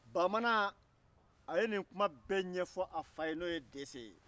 bamana a ye nin kuma bɛɛ ɲɛfɔ a fa ye n'o ye dɛsɛ ye